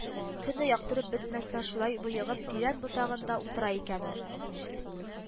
Көн дә яктырып бетмәстән шулай боегып тирән ботагында утыра икән ун